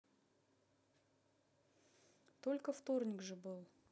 только вторник же был